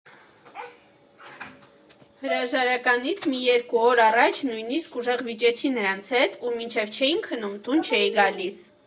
Հրաժարականից մի երկու օր առաջ նույնիսկ ուժեղ վիճեցի նրանց հետ, ու մինչև չէին քնում՝ տուն չէի գալիս։